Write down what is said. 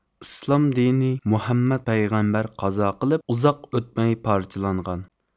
ئىسلام دىنى مۇھەممەد پەيغەمبەر قازا قىلىپ ئۇزاق ئۆتمەي پارچىلانغان